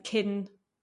cyn